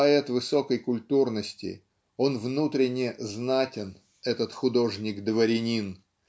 поэт высокой культурности он внутренне знатен этот художник-дворянин.